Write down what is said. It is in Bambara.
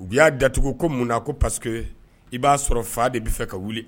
U y'a datugu ko mun na ko parce que i b'a sɔrɔ fa de bɛ fɛ ka wuli